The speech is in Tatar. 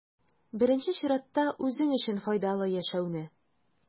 Беренче чиратта, үзең өчен файдалы яшәүне.